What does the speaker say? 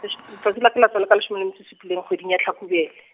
lesh-, letsatsi la ka le ka leshome le supe leng kgweding ya Hlakubele.